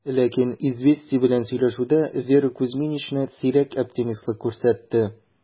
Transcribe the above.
Ләкин "Известия" белән сөйләшүдә Вера Кузьминична сирәк оптимистлык күрсәтте: